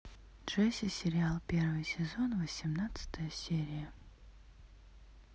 джесси сериал первый сезон восемнадцатая серия